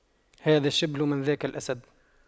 هذا الشبل من ذاك الأسد